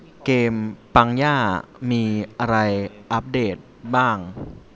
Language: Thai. เกมปังย่ามีอะไรอัปเดตบ้าง